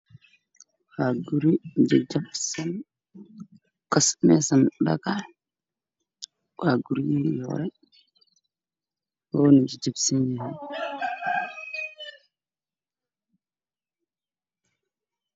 Waa guri jajabsan oo ka sameysan dhagax oo guryihii hore ah